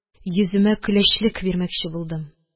Йөземә көләчлек бирмәкче булдым